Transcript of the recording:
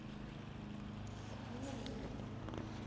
мне на ютубе